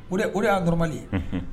O de, o de y'a normal ye